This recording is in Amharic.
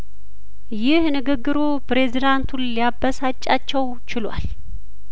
ይህ ንግግሩ ፕሬዚዳንቱን ሊያበሳጫቸው ችሏል